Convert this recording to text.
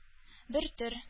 Бертөр